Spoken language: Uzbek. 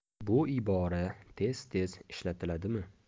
bu ibora tez tez ishlatiladimi